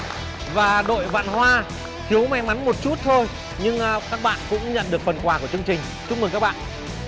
và đội vạn hoa thiếu may mắn một chút thôi nhưng các bạn cũng nhận được phần quà của chương trình chúc mừng các bạn